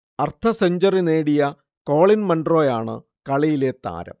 അർധ സെഞ്ച്വറി നേടിയ കോളിൻ മൺറോയാണ് കളിയിലെ താരം